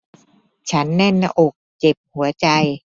ฉันแน่นหน้าอกเจ็บหัวใจ